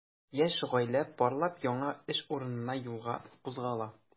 Яшь гаилә парлап яңа эш урынына юлга кузгала.